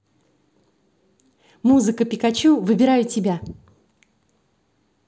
музыка пикачу выбираю тебя